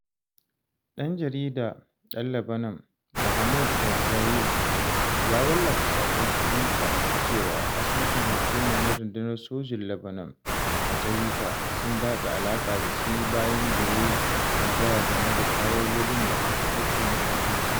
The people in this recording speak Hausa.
Ɗan jarida ɗan Lebanon, Mahmoud Ghazayel, ya wallafa saƙon Twitter cewa asusun hukuma na Rundunar Sojin Lebanon a Twitter sun datse alaƙa da shi bayan da ya yi tambaya game da fayilolin da aka saki na Hacking Team.